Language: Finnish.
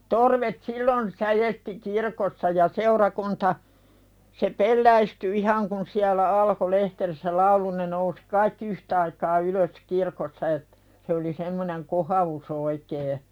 torvet silloin säesti kirkossa ja seurakunta se pelästyi ihan kun siellä alkoi lehterissä laulu ne nousi kaikki yhtaikaa ylös kirkossa että se oli semmoinen kohaus oikein